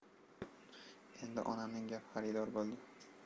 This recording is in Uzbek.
endi onamning gapini xaridor bo'ldi